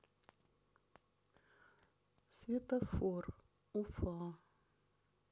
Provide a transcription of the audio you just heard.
светофор уфа